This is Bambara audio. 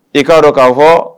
I kaa dɔn k'a fɔ